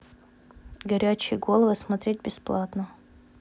горячие головы смотреть бесплатно